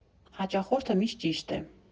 Հաճախորդը միշտ ճիշտ է։